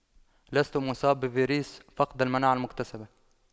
لست مصاب بفيروس فقد المناعة المكتسبة